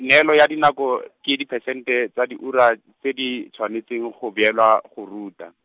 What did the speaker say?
neelo ya dinako , ke diphesente, tsa diura, tse di, tshwanetseng go beelwa , go ruta.